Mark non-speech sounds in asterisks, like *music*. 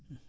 *hesitation*